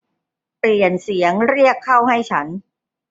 เปลี่ยนเสียงเรียกเข้าให้ฉัน